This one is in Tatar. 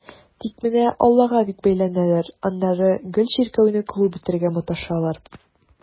Тик менә аллага бик бәйләнәләр, аннары гел чиркәүне клуб итәргә маташалар.